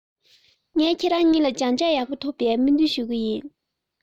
ངས ཁྱེད གཉིས ལ སྦྱངས འབྲས ཡག པོ ཐོབ པའི སྨོན འདུན ཞུ གི ཡིན